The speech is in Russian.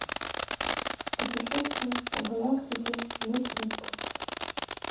путешествие по галактике млечный путь